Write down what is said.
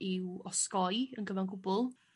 i'w osgoi yn gyfan gwbwl.